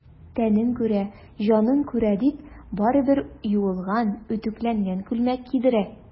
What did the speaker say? Тәнең күрә, җаның күрә,— дип, барыбер юылган, үтүкләнгән күлмәк кидерә.